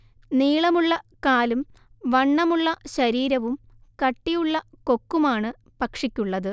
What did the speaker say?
നീളമുള്ള കാലും വണ്ണമുള്ള ശരീരവും കട്ടിയുള്ള കൊക്കുമാണ് പക്ഷിക്കുള്ളത്